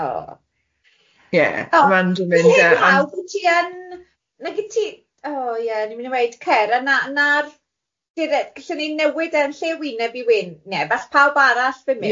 O. Ie, ma'n.... Mynd a ond Ie, nawr, wyt ti yn, nag wyt ti, o ie, o'n i'n mynd i weud, cer, a na- na'r lle re- gallwn ni newid e yn lle wyneb i wyn, ie, falle pawb arall mynd mewn. ...ie.